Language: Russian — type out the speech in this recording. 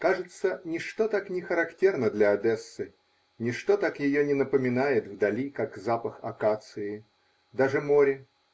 Кажется, ничто так не характерно для Одессы, ничто так ее не напоминает вдали, как запах акации. Даже море.